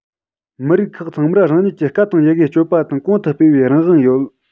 མི རིགས ཁག ཚང མར རང ཉིད ཀྱི སྐད དང ཡི གེ སྤྱོད པ དང གོང དུ སྤེལ བའི རང དབང ཡོད